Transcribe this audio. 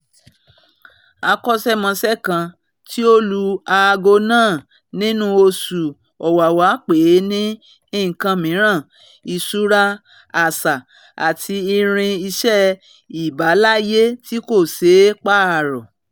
Akọ́ṣẹ́mọṣẹ́ kan tí ó lu aago náà nínú oṣù Ọ̀wàwà pè é ní nǹkan miran: ''Ìṣúra àṣà'' àti ''irin-isẹ́ ìbáláyé tí kò ṣeé pààrọ̀.''